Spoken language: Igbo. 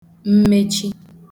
mmechi